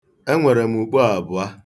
Enwere m ukpoo abụọ.